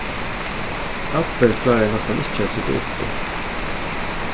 abbi kláraði næstan ikki sita uppi